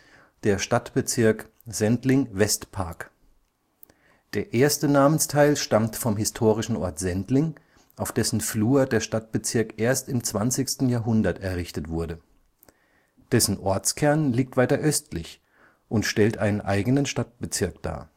der Stadtbezirk Sendling-Westpark. Der erste Namensteil stammt vom historischen Ort Sendling, auf dessen Flur der Stadtbezirk erst im 20. Jahrhundert errichtet wurde. Dessen Ortskern liegt weiter östlich und stellt einen eigenen Stadtbezirk dar